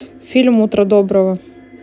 фильм утро доброго